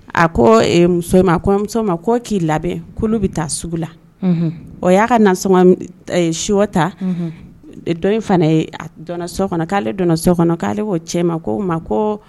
A ko ma ko k'i labɛn bɛ taa sugu la y'a ka nasɔn shɔ ta dɔ fana so kɔnɔ k'ale donna so kɔnɔ k'ale'o cɛ ma ko ma ko